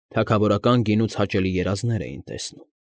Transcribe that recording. Թագավորական գինուց հաճելի երազներ էին տեսնում։